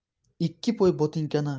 ikki poy botinkani ikki